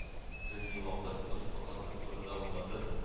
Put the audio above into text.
Бер ни вахыт, ташбакасы турында уйлады